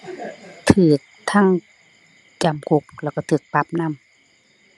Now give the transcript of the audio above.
ถูกทั้งจำคุกแล้วถูกถูกปรับนำ